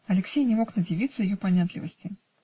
Алексей не мог надивиться ее понятливости.